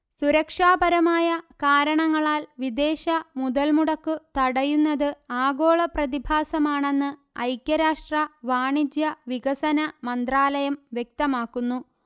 സുരക്ഷാപരമായ കാരണങ്ങളാൽ വിദേശ മുതല് മുടക്കു തടയുന്നത് ആഗോള പ്രതിഭാസമാണെന്ന് ഐക്യ രാഷ്ട്ര വാണിജ്യ വികസന മന്ത്രാലയം വ്യക്തമാക്കുന്നു